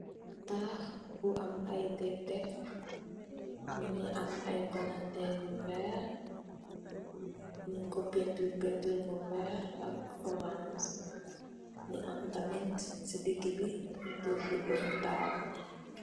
Taax bu am ay deg deg mongi am ay palanterru weer nyu ko painturr painturr bu weex ak orance mo am tamit si digibi painturr bu domitaal.